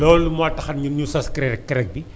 loolu moo taxoon ñun ñu sos crée CREC bi